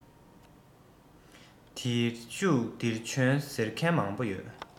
འདིར བཞུགས འདིར བྱོན ཟེར མཁན མང པོ ཡོང